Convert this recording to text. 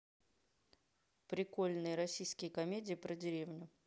прикольные российские комедии про деревню